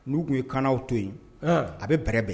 N'u tun ye kaana to yen a bɛ bɛrɛbɛn